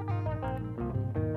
Sangɛnin yo